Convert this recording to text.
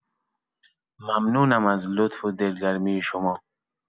ممنونم از لطف و دلگرمی شما